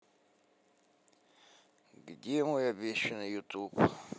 где мой обещанный ютуб